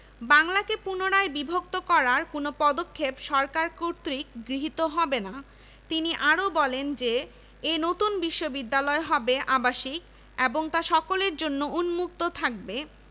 সরকারি শিক্ষা প্রতিষ্ঠানের ছাত্র ছাত্রীদের সংখ্যা ৬ লক্ষ ৯৯ হাজার ৫১ হতে ৯ লক্ষ ৩৬ হাজার ৬৫৩ তে উন্নীত হয়